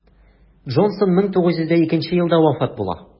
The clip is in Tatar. Джонсон 1902 елда вафат була.